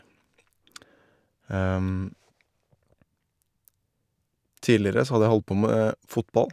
Tidligere så hadde jeg holdt på med fotball.